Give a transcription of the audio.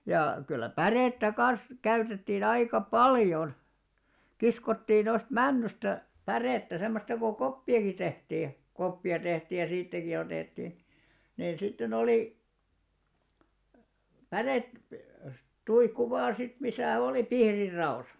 ja kyllä pärettä kanssa käytettiin aika paljon kiskottiin noista männystä pärettä semmoista kun koppiakin tehtiin ja koppia tehtiin ja siitäkin otettiin niin sitten oli - päretuikku vain sitten missä oli pihdit raossa